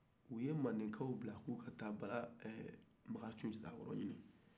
u ye mandekaw bila k'o ka taga makan sunjata ɲini